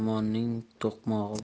yomonning to'qmog'i bor